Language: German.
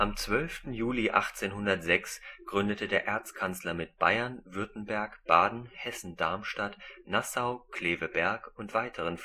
12. Juli 1806 gründete der Erzkanzler mit Bayern, Württemberg, Baden, Hessen-Darmstadt, Nassau, Kleve-Berg und weiteren